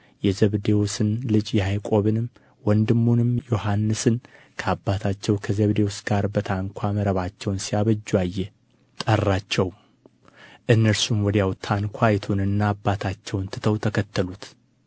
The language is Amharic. የዘብዴዎስን ልጅ ያዕቆብን ወንድሙንም ዮሐንስን ከአባታቸው ከዘብዴዎስ ጋር በታንኳ መረባቸውን ሲያበጁ አየ ጠራቸውም እነርሱም ወዲያው ታንኳይቱንና አባታቸውን ትተው ተከተሉት